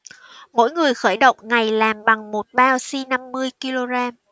mỗi người khởi động ngày làm bằng một bao xi năm mươi ki lô gam